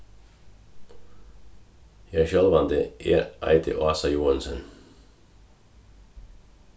ja sjálvandi eg eiti ása joensen